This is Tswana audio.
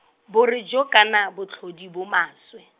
borre jo ka na botlhodi bo maswe.